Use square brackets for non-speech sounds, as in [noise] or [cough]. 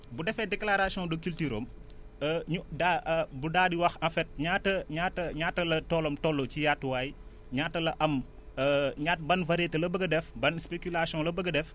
bu defee déclaration de culture am [hesitation] ñu daa bu daal di wax en fait ñaata ñaata ñaata la toolam toll ci yaatuwaay ñaata la am [hesitation] ñaata ban variété la bëgg a def ban spéculation la bëgg a def